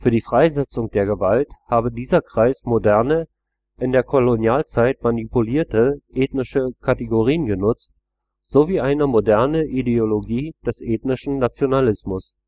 die Freisetzung der Gewalt habe dieser Kreis moderne, in der Kolonialzeit manipulierte ethnische Kategorien genutzt sowie eine moderne Ideologie des ethnischen Nationalismus